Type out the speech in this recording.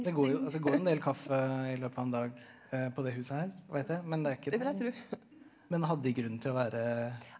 det går jo altså det går jo en del kaffe i løpet av en dag på det huset her vet jeg men det er ikke men hadde de grunn til å være?